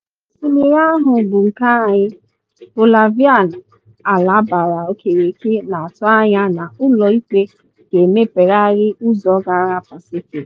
“Osimiri ahụ bụ nke anyị’: Bolivia ala gbara okirikiri na atụ anya na ụlọ ikpe ga-emepegharị ụzọ gara Pasifik